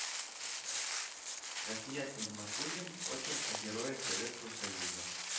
Гафият Нигъмәтуллин: Очерк о Герое Советского Союза